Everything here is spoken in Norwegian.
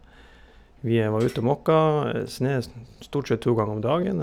Vi var ute og måka snø stort sett to ganger om dagen.